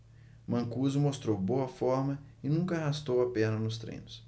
mancuso mostrou boa forma e nunca arrastou a perna nos treinos